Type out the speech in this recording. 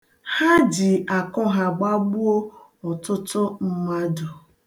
Ha ji akụ ha gbagbuo ọtụtụ mmadụ.